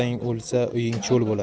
otang o'lsa uying cho'l bo'lar